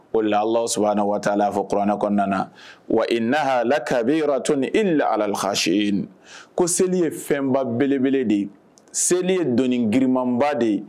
O las waati taa'a fɔ kuranɛ kɔnɔna kɔnɔna na wa naha la k'abi yɔrɔtoon ni e la alalhasi ye ko seli ye fɛnbabelebele de ye seli ye doni girinmanba de ye